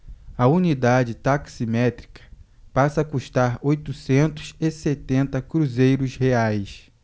a unidade taximétrica passa a custar oitocentos e setenta cruzeiros reais